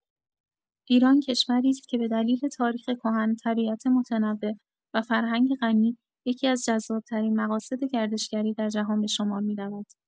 ایران کشوری است که به دلیل تاریخ کهن، طبیعت متنوع، و فرهنگ غنی، یکی‌از جذاب‌ترین مقاصد گردشگری در جهان به شمار می‌رود.